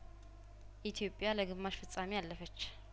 ኢትዮጵያ ለግማሽ ፍጻሜ አለፈች